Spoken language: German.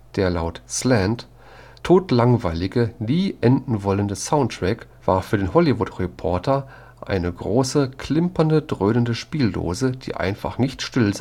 Der laut Slant todlangweilige, nie enden wollende Soundtrack war für den Hollywood Reporter nicht mehr als eine große, klimpernde, dröhende Spieldose, die einfach nicht still